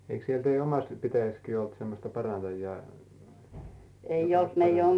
eikös siellä teidän omassa pitäjässäkin ollut semmoista parantajaa joka olisi parantanut